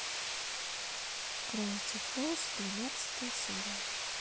гравити фолз двенадцатая серия